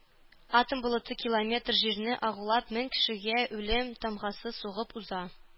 Атом болыты километр җирне агулап мең кешегә үлем тамгасы сугып уза.